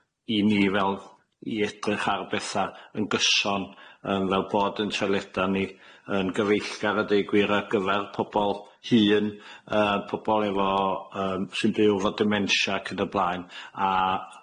i ni fel- i edrych ar betha yn gyson yym fel bod 'yn toileda ni yn gyfeillgar a deud gwir ar gyfar pobol hŷn, yy pobol efo yym- sy'n byw efo dementia ac yn y blaen a